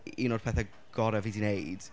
Un o'r pethau gorau fi 'di wneud.